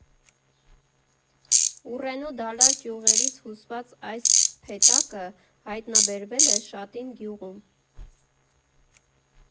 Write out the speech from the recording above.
Ուռենու դալար ճյուղերից հյուսված այս փեթակը հայտնաբերվել է Շատին գյուղում։